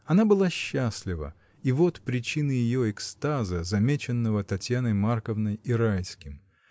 Она была счастлива — и вот причина ее экстаза, замеченного Татьяной Марковной и Райским.